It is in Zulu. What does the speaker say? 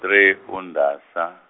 three uNdasa.